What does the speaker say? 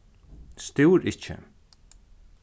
stúr ikki